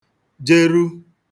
jeru